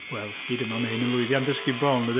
Wel, hyd yma mae hyn yn lwyddiant ysgubol, yn dydy.